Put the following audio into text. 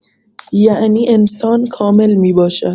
یعنی انسان کامل می‌باشد.